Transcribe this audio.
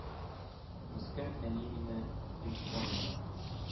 Мескен әни мине юкка гына